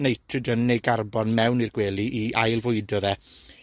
nitrogen neu garbon mewn i'r gwely i ail fwydo fe,